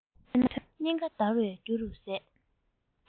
ཐོས ན སྙིང ཁ འདར བའི རྒྱུ རུ ཟད